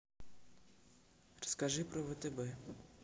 расскажи про втб